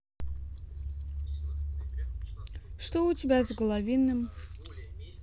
что у тебя с головиным